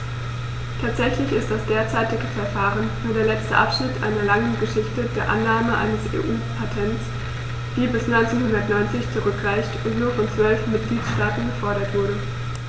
Tatsächlich ist das derzeitige Verfahren nur der letzte Abschnitt einer langen Geschichte der Annahme eines EU-Patents, die bis 1990 zurückreicht und nur von zwölf Mitgliedstaaten gefordert wurde.